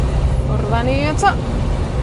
Ffwrdd â ni eto.